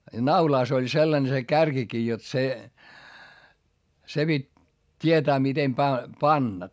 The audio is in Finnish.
ja naulassa oli sellainen se kärkikin jotta se se piti tietää miten päin panna